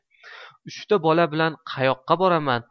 uchta bola bilan qayoqqa boraman